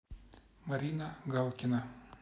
марина галкина